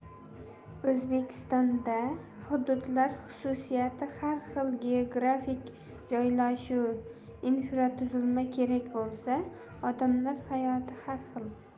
o'zbekistonda hududlar xususiyati har xil geografik joylashuv infratuzilma kerak bo'lsa odamlar hayot har xil